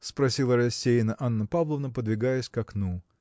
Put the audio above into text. – спросила рассеянно Анна Павловна, подвигаясь к окну.